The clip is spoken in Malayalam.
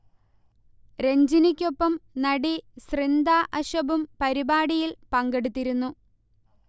രഞ്ജിനിയ്ക്കൊപ്പം നടി സൃന്ദ അഷബും പരിപാടിയിൽ പങ്കെടുത്തിരുന്നു